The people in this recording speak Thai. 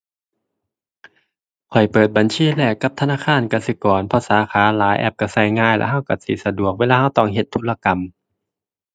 ข้อยเปิดบัญชีแรกกับธนาคารกสิกร เพราะสาขาหลาย แอปก็ก็ง่าย แล้วก็ก็สิสะดวกเวลาก็ต้องเฮ็ดธุรกรรม